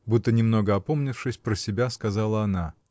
— будто немного опомнившись, про себя сказала она.